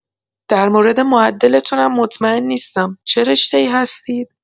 در مورد معدلتون هم مطمئن نیستم، چه رشته‌ای هستید؟